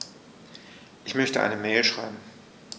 Ich möchte eine Mail schreiben.